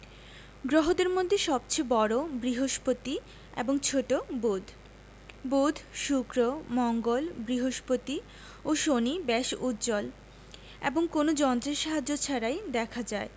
গ্রহদের মধ্যে সবচেয়ে বড় বৃহস্পতি এবং ছোট বুধ বুধ শুক্র মঙ্গল বৃহস্পতি ও শনি বেশ উজ্জ্বল এবং কোনো যন্ত্রের সাহায্য ছাড়াই দেখা যায়